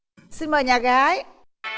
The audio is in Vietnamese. xin mời nhà gái